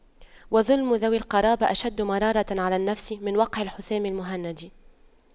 وَظُلْمُ ذوي القربى أشد مرارة على النفس من وقع الحسام المهند